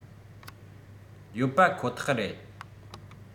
ཡོད པ ཁོ ཐག རེད